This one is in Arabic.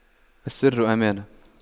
السر أمانة